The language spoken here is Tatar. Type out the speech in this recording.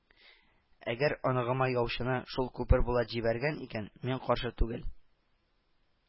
—әгәр оныгыма яучыны шул күпер булат җибәргән икән, мин каршы түгел